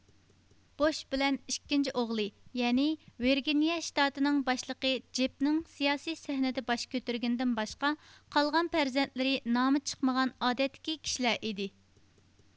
بۇش بىلەن ئىككىنچى ئوغلى يەنى ۋېرگىنىيە شتاتىنىڭ باشلىقى جېبنىڭ سىياسىي سەھنىدە باش كۆتۈرگىنىدىن باشقا قالغان پەرزەنتلىرى نامى چىقمىغان ئادەتتىكى كىشىلەر ئىدى